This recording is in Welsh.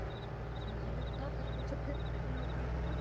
'Steddfod gynta yn Llandudno pan o'n i tua pump . Un naw chwech rhywbeth.